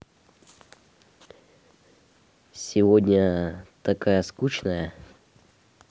сегодня такая скучная